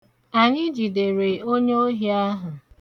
Anyị jidere onye ohi ahụ.